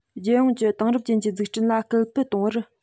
རྒྱལ ཡོངས གྱི དེང རབས ཅན གྱི འཛུགས སྐྲུན ལ སྐུལ སྤེལ གཏོང བར